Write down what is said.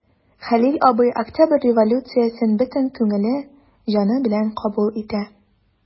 Хәлил абый Октябрь революциясен бөтен күңеле, җаны белән кабул итә.